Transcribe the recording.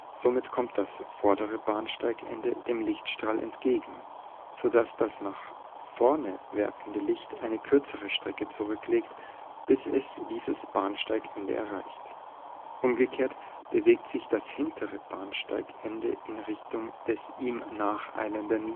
Somit kommt das vordere Bahnsteigende dem Lichtstrahl entgegen, sodass das nach vorne laufende Licht eine kürzere Strecke zurücklegt, bis es dieses Bahnsteigende erreicht. Umgekehrt bewegt sich das hintere Bahnsteigende in Richtung des ihm nacheilenden